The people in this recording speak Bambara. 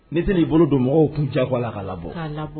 Ne tɛ'i bolo don mɔgɔw kun cɛ kɔ la ka labɔ